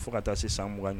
Fo ka taa se san mugan